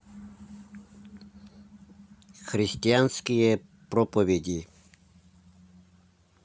христианские проповеди